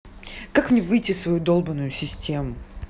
как мне выйти свою долбанную систему